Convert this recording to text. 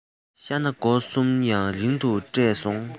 ཤྭ གནའ དགོ གསུམ ཡང རིང དུ བསྐྲད སོང